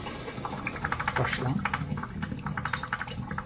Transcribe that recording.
vørðslan